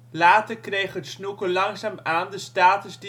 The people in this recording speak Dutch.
Later kreeg het snooker langzaamaan de status